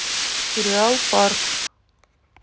сериал парт